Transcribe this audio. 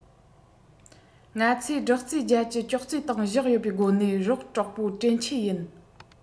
ང ཚོས སྒྲོག ཙེ བརྒྱད བཅུ ཅོག ཙེའི སྟེང བཞག ཡོད པའི སྒོ ནས རོགས གྲོགས པོ གྲོས མཆེད ཡིན